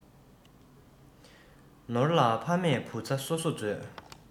ནོར ལ ཕ མས བུ ཚ གསོ གསོ མཛོད